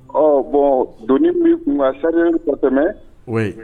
Ɔ bon doni min b'i kun kan a charger len d ka tɛmɛ oui